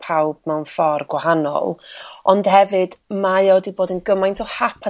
pawb mewn ffor' gwahanol ond hefyd mae o 'di bod yn gymaint o hap a